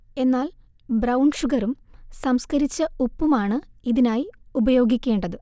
എന്നാൽ ബ്രൌൺ ഷുഗറും സംസ്കരിച്ച ഉപ്പുമാണ് ഇതിനായി ഉപയോഗിക്കേണ്ടത്